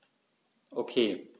Okay.